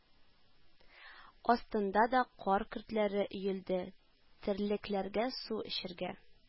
Астында да кар көртләре өелде, терлекләргә су эчәргә